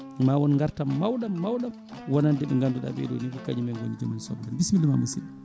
ma woon ma woon gartam mawɗam mawɗam wonande ɓe ganduɗaɓe ni ko kañumen gooni joom en soble bisimillama musidɗo